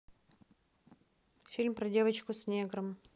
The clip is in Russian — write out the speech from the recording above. фильм про девочку с негром